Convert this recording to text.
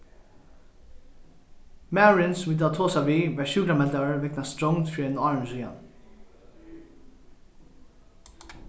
maðurin sum vit hava tosað við varð sjúkrameldaður vegna strongd fyri einum ári síðani